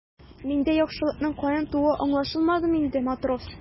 Миндә яхшылыкның каян тууы аңлашылдымы инде, матрос?